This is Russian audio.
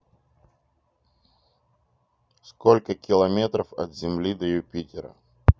сколько километров от земли до юпитера